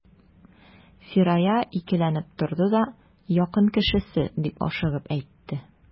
Фирая икеләнеп торды да: — Якын кешесе,— дип ашыгып әйтте.